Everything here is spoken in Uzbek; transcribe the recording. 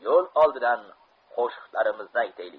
yo'l oldidan qo'shiqlarimizni aytaylik